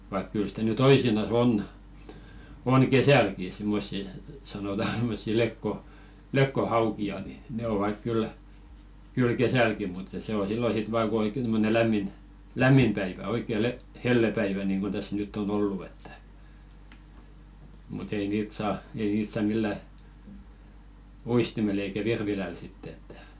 vaikka kyllä sitä nyt toisinaan on on kesälläkin semmoisia sanotaan semmoisia - lekkohaukia niin ne ovat kyllä kyllä kesälläkin mutta se on silloin sitten vain kun oikein tuommoinen lämmin lämmin päivä oikein - hellepäivä niin kuin tässä nyt on ollut että mutta ei niitä saa ei niitä saa millään uistimella eikä virvilällä sitten että